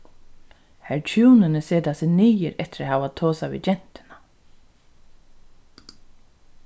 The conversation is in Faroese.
har hjúnini seta seg niður eftir at hava tosað við gentuna